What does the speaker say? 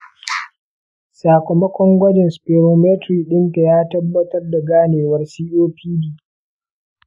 sakamakon gwajin spirometry ɗinka ya tabbatar da ganewar copd.